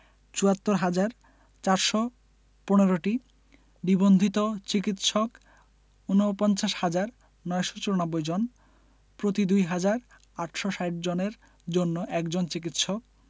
৭৪হাজার ৪১৫টি নিবন্ধিত চিকিৎসক ৪৯হাজার ৯৯৪ জন প্রতি ২হাজার ৮৬০ জনের জন্য একজন চিকিৎসক